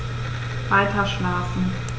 Weiterschlafen.